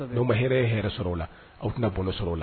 No ma hɛrɛ ye hɛrɛ sɔrɔ o la aw tɛna bɔ sɔrɔ o la